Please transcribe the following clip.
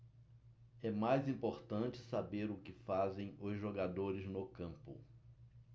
é mais importante saber o que fazem os jogadores no campo